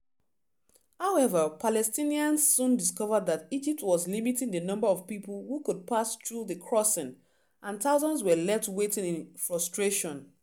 However, Palestinians soon discovered that Egypt was limiting the number of people who could pass through the crossing, and thousands were left waiting in frustration.